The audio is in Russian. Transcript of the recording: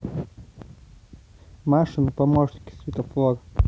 машины помощники светофор